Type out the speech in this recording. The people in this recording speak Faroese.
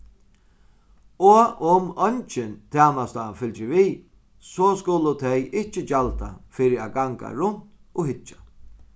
og um eingin tænasta fylgir við so skulu tey ikki gjalda fyri at ganga runt og hyggja